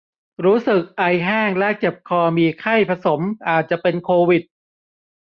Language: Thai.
รู้สึกไอแห้งและเจ็บคอมีไข้ผสมอาจจะเป็นโควิด